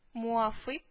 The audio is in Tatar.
Муафыйк